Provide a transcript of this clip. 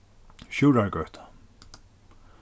sjúrðargøta